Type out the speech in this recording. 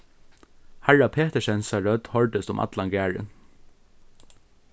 harra petersensa rødd hoyrdist um allan garðin